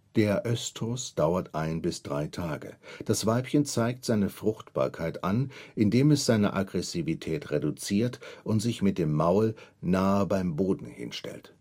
Der Östrus dauert ein bis drei Tage. Das Weibchen zeigt seine Fruchtbarkeit an, indem es seine Aggressivität reduziert und sich mit dem Maul nahe beim Boden hinstellt